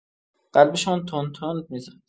قلبشان تند تند می‌زد.